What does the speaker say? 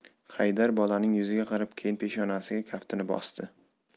haydar bolaning yuziga qarab keyin peshonasiga kaftini bosdi